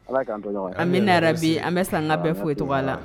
an bɛ san ka bɛlajɛlen fo i tɔg la